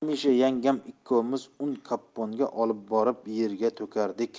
hamisha yangam ikkovimiz uni kopponga olib borib yerga to'kardik